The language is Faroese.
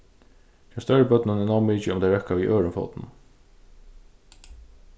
hjá størri børnum er nóg mikið um tey røkka við øðrum fótinum